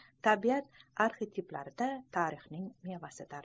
tabiat arxetiplarida tarixning mevasidir